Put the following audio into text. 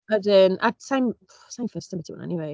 A wedyn, ac sa i'n sa i'n fussed ambiti hwnna eniwe.